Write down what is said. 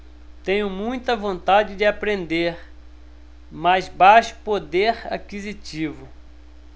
tenho muita vontade de aprender mas baixo poder aquisitivo